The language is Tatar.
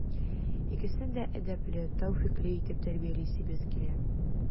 Икесен дә әдәпле, тәүфыйклы итеп тәрбиялисебез килә.